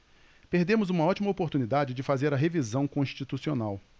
perdemos uma ótima oportunidade de fazer a revisão constitucional